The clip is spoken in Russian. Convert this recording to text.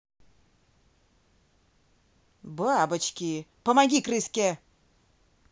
бабочки помоги крыске